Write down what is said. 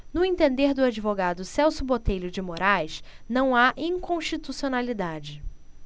no entender do advogado celso botelho de moraes não há inconstitucionalidade